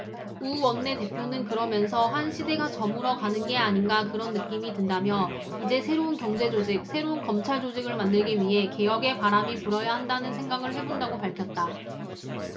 우 원내대표는 그러면서 한 시대가 저물어가는 게 아닌가 그런 느낌이 든다며 이제 새로운 경제조직 새로운 검찰조직을 만들기 위해 개혁의 바람이 불어야한다는 생각을 해 본다고 밝혔다